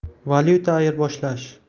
valyuta ayirboshlash